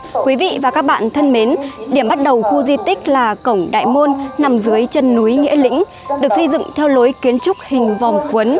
quý vị và các bạn thân mến điểm bắt đầu khu di tích là cổng đại môn nằm dưới chân núi nghĩa lĩnh được xây dựng theo lối kiến trúc hình vòm cuốn